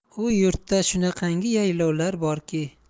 bu yurtda shunaqangi yaylovlar borki